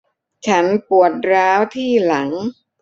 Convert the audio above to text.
ฉันปวดร้าวที่หลัง